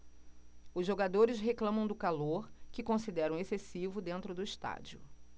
os jogadores reclamam do calor que consideram excessivo dentro do estádio